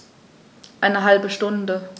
Eine halbe Stunde